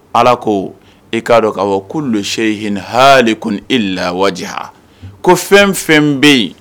Ala ko e k'a dɔn ka' seyi h hinɛ haali ko e la wadiya ko fɛn fɛn bɛ yen